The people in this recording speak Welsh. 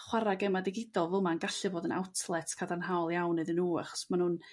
chwara' gema' digidol fyl 'ma yn gallu fod yn outlet cadarnhaol iawn iddyn nhw achos ma' nhw'n